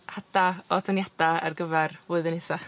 hada' o syniada ar gyfar flwyddyn nesa.